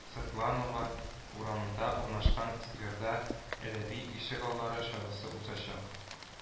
Сыртланова урамында урнашкан скверда “Әдәби ишегаллары” чарасы узачак